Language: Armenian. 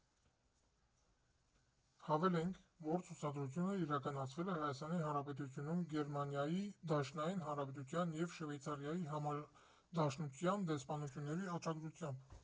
Հավելենք, որ ցուցադրությունը իրականացվել է Հայաստանի Հանրապետությունում Գերմանիայի Դաշնային Հանրապետության և Շվեյցարիայի Համադաշնության դեսպանությունների աջակցությամբ։